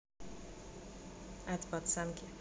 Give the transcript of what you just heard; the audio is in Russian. от пацанки